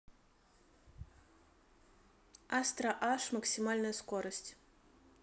астра аш максимальная скорость